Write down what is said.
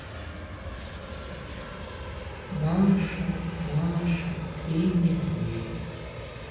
маша маша и медведь